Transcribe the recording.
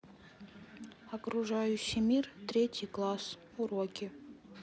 окружающий мир третий класс уроки